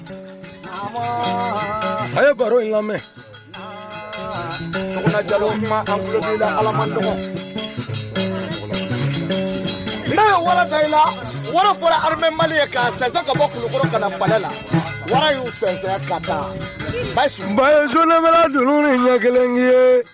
A baro mɛn ala fɔra mali ka ka bɔ la wara y'uya z ɲɛ kelen ye